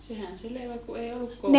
sehän selvä kun ei ollut koulua